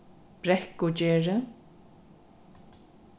brekkugerði